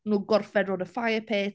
nhw gorffen rownd y firepit...